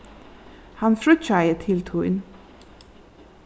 hann fríggjaði til tín